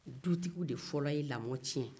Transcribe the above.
dutigiw de fɔlɔ ye lamɔ tiɲɛ